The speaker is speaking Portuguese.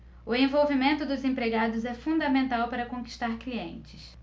o envolvimento dos empregados é fundamental para conquistar clientes